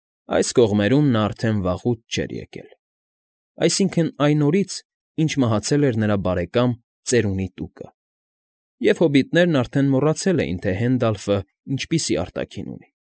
Այս կողմերում նա արդեն վաղուց չէր եղել, այսինքն՝ այն օրից, ինչ մահացել էր նրա բարեկամ Ծերունի Տուկը, և հոբիտներն արդեն մոռացել էին, թե Հենդալֆն ինչպիսի արտաքին ունի։